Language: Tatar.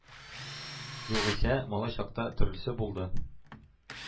Югыйсә, малай чакта төрлесе булды.